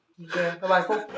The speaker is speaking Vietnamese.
ô kê bái bai phúc